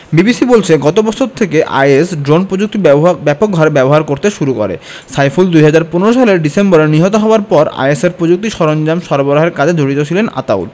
বিবিসির বলছে গত বছর থেকে আইএস ড্রোন প্রযুক্তি ব্যাপকভাবে ব্যবহার করতে শুরু করে সাইফুল ২০১৫ সালের ডিসেম্বরে নিহত হওয়ার পর আইএসের প্রযুক্তি সরঞ্জাম সরবরাহের কাজে জড়িত ছিলেন আতাউল